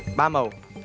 ba màu